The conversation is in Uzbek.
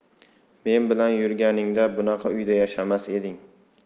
men bilan yurganingda bunaqa uyda yashamas eding